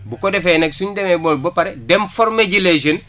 bu ko defee nag suñ demee moom ba pare dem former ji les jeunes